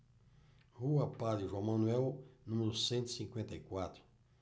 rua padre joão manuel número cento e cinquenta e quatro